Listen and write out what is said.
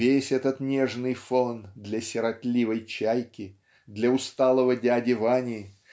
весь этот нежный фон для сиротливой чайки для усталого дяди Вани